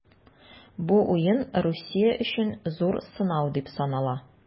Бу уен Русия өчен зур сынау дип санала.